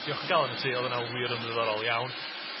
Diolch o galon i ti o'dd wnna wir yn ddiddorol iawn.